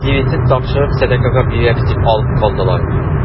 Тиресен тапшырып сәдакага бирәбез дип алып калдылар.